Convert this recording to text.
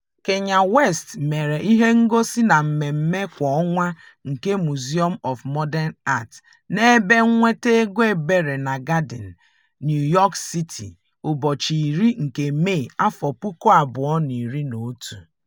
Kanye West mere ihe ngosi na Mmemme kwa ọnwa nke Museum of Modern Art n'ebe nnweta ego ebere na Garden, New York City, ụbọchị 10 nke Mee, 2011.